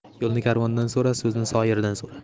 yo'lni karvondan so'ra so'zni soyirdan so'ra